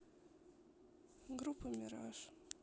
группа мираж